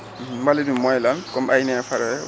mbalit mi mooy lan comme ay neefare